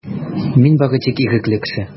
Мин бары тик ирекле кеше.